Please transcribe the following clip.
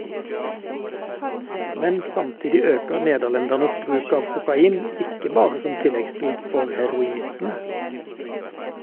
Men samtidig øker nederlendernes bruk av kokain, ikke bare som tilleggsdop for heroinistene.